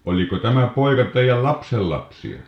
oliko tämä poika teidän lapsenlapsia